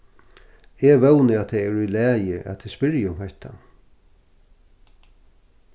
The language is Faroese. eg vóni at tað er í lagi at eg spyrji um hetta